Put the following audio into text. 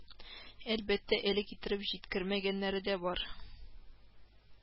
Әлбәттә, әле китереп җиткермәгәннәре дә бар